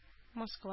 Москва